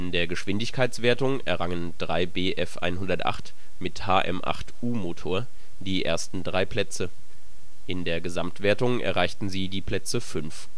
der Geschwindigkeitswertung errangen drei Bf 108 mit HM 8 U-Motor die ersten drei Plätze, in der Gesamtwertung erreichten sie die Plätze fünf